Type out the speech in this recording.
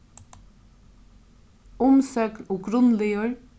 umsøgn og grundliður